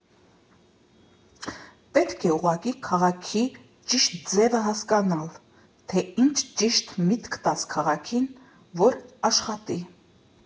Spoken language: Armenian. Պետք է ուղղակի քաղաքի ճիշտ ձևը հասկանալ, թե ինչ ճիշտ միտք տաս քաղաքին, որ աշխատի։